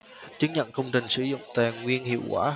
chứng nhận công trình sử dụng tài nguyên hiệu quả